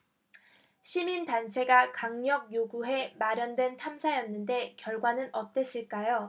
시민단체가 강력 요구해 마련된 탐사였는데 결과는 어땠을까요